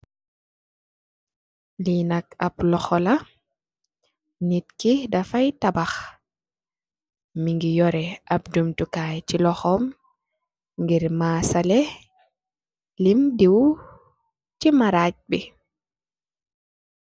Li nak ap loxo la, nit ki dafay tabax miñi yorèh ap jumtukai ci loxom ngir masaleh lim diw ci maraj bi.